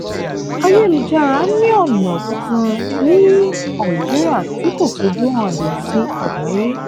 Ayélujára ni ọ̀nà tuntun ní Algeria tí kò fojú hànde sí àgbáyé.